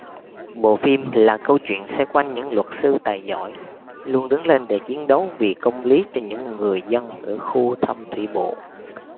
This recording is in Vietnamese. bộ phim là câu chuyện xoay quanh những luật sư tài giỏi luôn đứng lên để chiến đấu vì công lý cho những người dân ở khu thâm thủy bộ